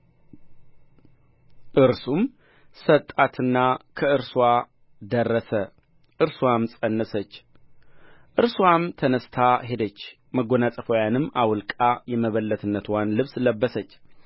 እርሱም ሰጣትና ከእርስዋ ጋር ደረሰ እርስዋም ፀነሰችለት እርስዋም ተነሥታ ሄደች መጎናጸፊያዋንም አውልቃ የመበለትነትዋን ልብስ ለበሰች